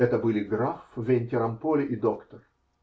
Это были граф Венти-Рамполи и доктор.